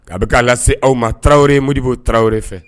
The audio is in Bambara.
A bɛ k'a lase aw ma Tarawele, Modibo Tarawele fɛ.